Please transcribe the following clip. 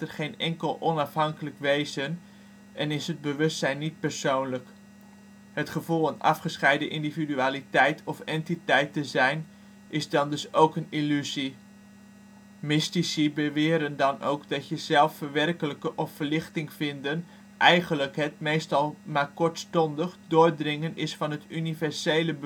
geen enkel onafhankelijk wezen en is het/ons bewustzijn niet persoonlijk. Het gevoel " een afgescheiden individualiteit " of " entiteit " te zijn is dan dus ook een illusie. Mystici beweren dan ook dat je ' zelf verwerkelijken ' of ' verlichting vinden ' eigenlijk het, meestal maar kortstondig, doordringen is van het universele